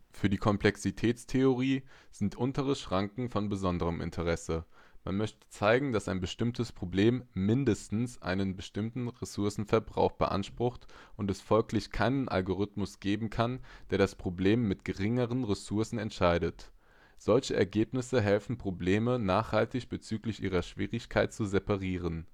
Für die Komplexitätstheorie sind die unteren Schranken von besonderem Interesse: Man möchte zeigen, dass ein bestimmtes Problem mindestens einen bestimmten Ressourcenverbrauch beansprucht und es folglich keinen Algorithmus geben kann, der das Problem mit geringeren Ressourcen entscheidet. Solche Ergebnisse helfen, Probleme nachhaltig bezüglich ihrer Schwierigkeit zu separieren